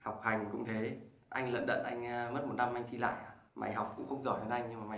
học hành cũng thế anh lận đận anh mất một năm anh thi lại mày học cũng giỏi hơn anh